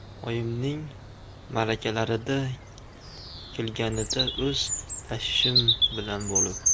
oyimning marakalarida kelganida o'z tashvishim bilan bo'lib